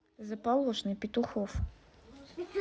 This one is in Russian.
заполошный петухов